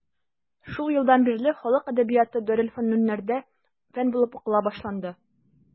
Шул елдан бирле халык әдәбияты дарелфөнүннәрдә фән булып укыла башланды.